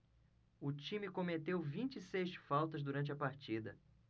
o time cometeu vinte e seis faltas durante a partida